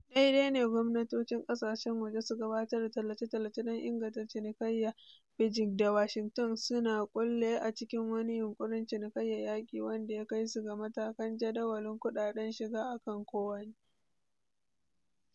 Daidai ne ga gwamnatocin kasashen waje su gabatar da tallace-tallace don inganta cinikayya, Beijing da Washington su na kulle a cikin wani yunkurin cinikayyar yaki wanda ya kai su ga matakan jadawalin kudaden shiga akan kowane.